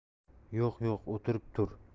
yo'q yo'q o'tirib tur